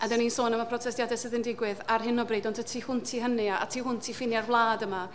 A dan ni'n sôn am y protestiadau sydd yn digwydd ar hyn o bryd, ond y tu hwnt i hynny a tu'n hwnt i ffiniau'r wlad yma.